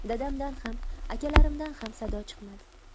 dadamdan ham akalarimdan ham sado chiqmadi